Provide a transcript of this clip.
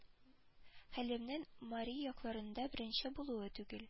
Хәлимнең мари якларында беренче булуы түгел